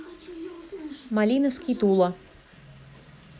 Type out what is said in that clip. малиновский тула